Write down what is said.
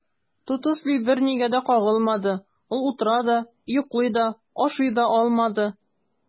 Тотыш би бернигә дә кагылмады, ул утыра да, йоклый да, ашый да алмады.